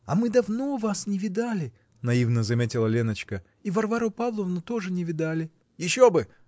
-- А давно мы вас не видали, -- наивно заметила Леночка, -- и Варвару Павловну тоже не видали. -- Еще бы!